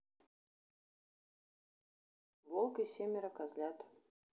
волк и семеро козлят